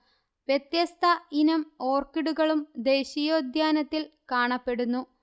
വ്യത്യസ്ത ഇനം ഓർക്കിഡുകളും ദേശീയോദ്യാനത്തിൽ കാണപ്പെടുന്നു